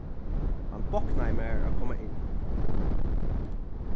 hann báknaði mær at koma inn